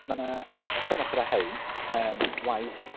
Ma' 'na, ochr yn ochr â rhain, waith.